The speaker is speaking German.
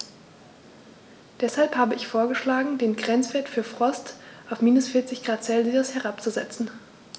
Deshalb habe ich vorgeschlagen, den Grenzwert für Frost auf -40 ºC herabzusetzen.